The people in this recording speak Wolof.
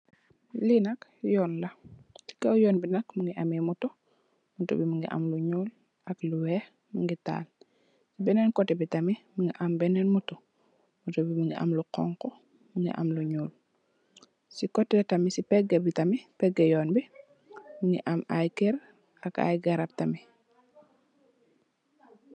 Lii nak yon la, cii kaw yon bii nak mungy ameh motor, motor bii mungy am lu njull ak lu wekh, mungy taal, benen coteh bii tamit mungy am benen motor, motor bii mungy am lu honhu, mungy am lu njull, cii coteh tamit, cii pehgah bii tamit, pehgah yon bii mungy am aiiy kerr ak aiiy garab tamit.